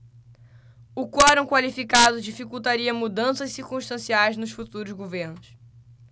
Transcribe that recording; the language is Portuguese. o quorum qualificado dificultaria mudanças circunstanciais nos futuros governos